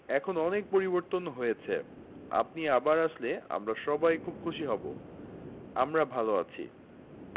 এখন অনেক পরিবর্তন হয়েছে আপনি আবার আসলে আমরা সবাই খুব খুশি হব আমরা ভালো আছি